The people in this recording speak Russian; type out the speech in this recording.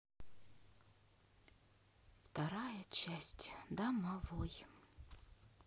вторая часть домовой